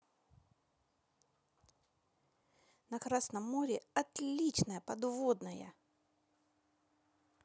на красном море отличная подводная